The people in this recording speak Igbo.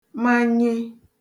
manye